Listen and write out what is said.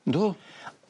Yndw.